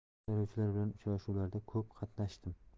saylovchilar bilan uchrashuvlarda ko'p qatnashdim